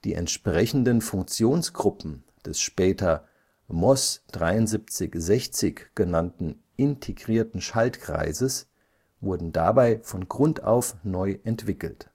entsprechenden Funktionsgruppen des später MOS 7360 genannten integrierten Schaltkreises (Chip) wurden dabei von Grund auf neu entwickelt